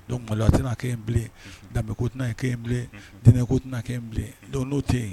Dɔnku tɛna kɛ in bilen danbebeko tɛna yen kɛ in bilen ntinɛko tɛna kɛ in bilen don n'o tɛ yen